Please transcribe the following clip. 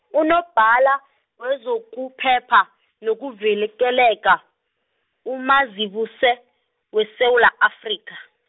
unobhala wezokuphepha nokuvikeleka, uMazibuse, weSewula Afrika.